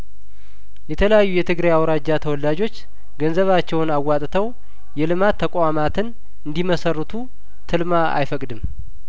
የተለያዩ የትግራይአውራጃ ተወላጆች ገንዘባቸውን አዋጥ ተው የልማት ተቋማትን እንዲ መሰርቱ ትልማ አይፈቅድም